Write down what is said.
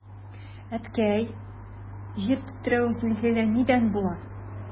Әткәй, җир тетрәү, зилзилә нидән була?